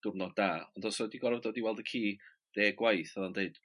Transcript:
gyfnod da, ond os o' 'di gorod dod i weld y ci deg gwaith odd o'n deud